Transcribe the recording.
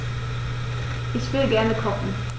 Ich will gerne kochen.